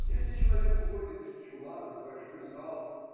Если человек уходит из чулана в большой зал.